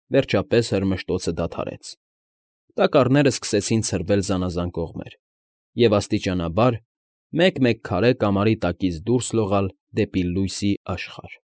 Վերջապես հրմշտոցը դադարեց, տակառներն սկսեցին ցրվել զանազան կողմեր և աստիճանաբար, մեկ֊մեկ քարե կամարի տակից դուրս լողալ դեպի լույսի աշխարհ։